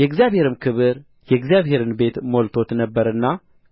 የእግዚአብሔርም ክብር የእግዚአብሔርን ቤት ሞልቶት ነበርና